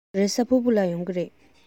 རེས གཟའ ཕུར བུ ལ ཡོང གི རེད